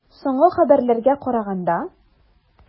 Соңгы хәбәрләргә караганда.